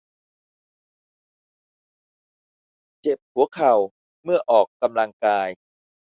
เจ็บหัวเข่าเมื่อออกกำลังกาย